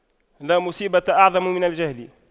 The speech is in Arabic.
لا مصيبة أعظم من الجهل